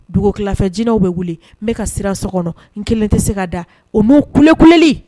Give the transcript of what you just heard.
Dugufɛ jinɛw bɛ wuli n bɛ ka siran so kɔnɔ n kelen tɛ se ka da o n'u kule kuleli